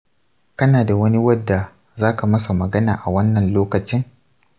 kana da wani wadda zaka masa magana a wannan lokacin?